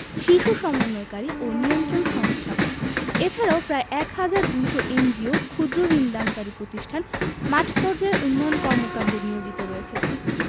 শীর্ষ সমন্বয়কারী ও নিয়ন্ত্রণ সংস্থা এছাড়াও প্রায় ১ হাজার ২০০ এনজিও ক্ষুদ্র্ ঋণ দানকারী প্রতিষ্ঠান মাঠপর্যায়ে উন্নয়ন কর্মকান্ডে নিয়োজিত রয়েছে